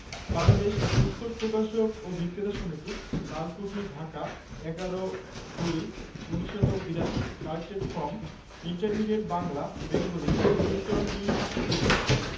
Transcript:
বাংলাদেশ পুস্তক প্রকাশক ও বিক্রেতা সমিতি লালকুঠি ঢাকা ১১/০২/১৯৮২ collected from intermediate Bangla Bengali Clinton B Seely